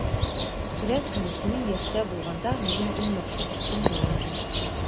Беләсеңме, синең яшьтә булганда, минем иң яхшы дустым юк иде.